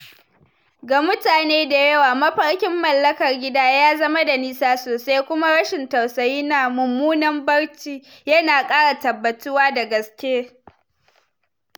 Ga mutane da yawa mafarkin mallakar gida ya zama da nisa sosai, kuma rashin tausayi na mummunan barci yana kara tabbatuwa da gaske. "